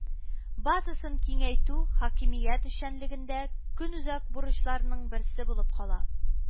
Базасын киңәйтү хакимият эшчәнлегендә көнүзәк бурычларның берсе булып кала